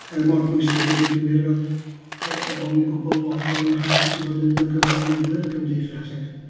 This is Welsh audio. Mae o mor bwysig a deud y gwir fel yy ro'n i'n gwbl fodlon hapus i fod yn un o gyfarwyddwyr y gymdeithas ac...